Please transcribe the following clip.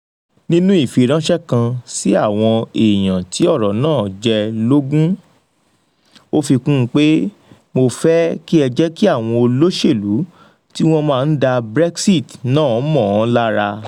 Nínú ìfiránṣẹ́ kan sí àwọn sí àwọn èèyàn tí ọ̀rọ̀ náà jẹ́ lógún, ó fi kun pé: 'Mo fẹ́ kí ẹ jẹ́kí àwọn olóṣèlú, tí wọ́n ma ń da Brexit, náà mọ̀ọ́ lára.